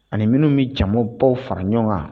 Ani minnu bɛ jamu baw fara ɲɔgɔn kan